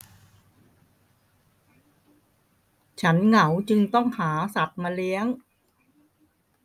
ฉันเหงาจึงต้องหาสัตว์มาเลี้ยง